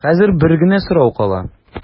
Хәзер бер генә сорау кала.